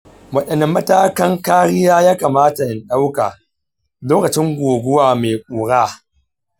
waɗanne matakan kariya ya kamata in ɗauka lokacin guguwa mai ƙura?